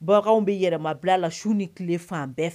Bagan bɛ yɛlɛmama bila la su ni tile fan bɛɛ fɛ